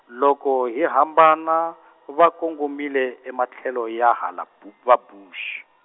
loko hi hambana va kongomile ematlhelo ya hala Bu- vaBuxi.